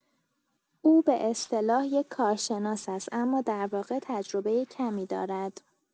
او به‌اصطلاح یک کارشناس است، اما در واقع تجربه کمی دارد.